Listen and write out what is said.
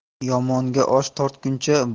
yomonga osh tortguncha